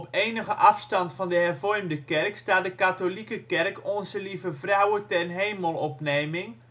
enige afstand van de hervormde kerk staat de katholieke kerk Onze Lieve Vrouwe ten Hemelopneming